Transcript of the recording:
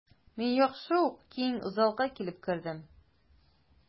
Мин яхшы ук киң залга килеп кердем.